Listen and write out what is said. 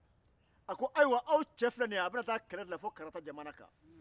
a ko aw cɛ bɛna taa kɛlɛ la fo karata jamana kan